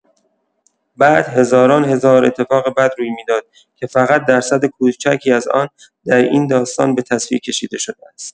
بعد هزاران هزار اتفاق بد روی می‌داد که فقط درصد کوچکی از آن، در این داستان به تصویر کشیده شده است.